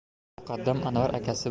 muqaddam anvar akasi